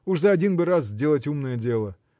– уж за один бы раз делать умное дело.